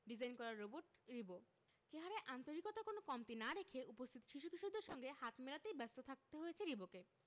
design করা robot Ribo চেহারায় আন্তরিকতার কোনো কমতি না রেখে উপস্থিত শিশু কিশোরদের সঙ্গে হাত মেলাতেই ব্যস্ত থাকতে হয়েছে রিবোকে